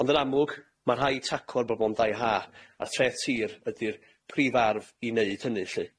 Ond yn amlwg, ma' rhaid taclo'r broblem dai ha, a'r treth tir ydi'r prif arf i neud hynny lly.